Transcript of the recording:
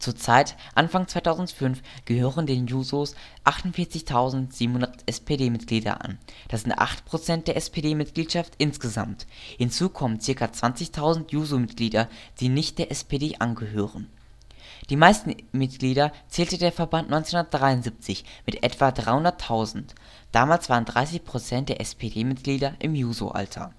Zeit (Anfang 2005) gehören den Jusos 48.700 SPD-Mitglieder an, das sind acht Prozent der SPD-Mitgliedschaft insgesamt. Hinzu kommen zirka 20.000 Juso-Mitglieder, die nicht der SPD angehören. Die meisten Mitglieder zählte der Verband 1973 mit etwa 300.000. Damals waren 30 Prozent der SPD-Mitglieder im Juso-Alter